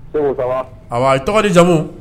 Seku ça va aba i tɔgɔ n'i jamu